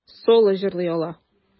Соло җырлый ала.